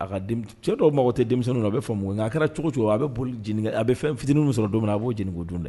A ka denm cɛ dɔw mago tɛ denmisɛnninw na o bɛ faamu nka a kɛra cogo o cogo a bɛ boli, a bɛ fɛn fitinin min sɔrɔ don min na a b'o jeni k'o dun dɛ